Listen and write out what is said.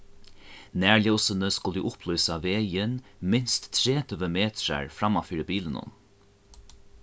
nærljósini skulu upplýsa vegin minst tretivu metrar framman fyri bilinum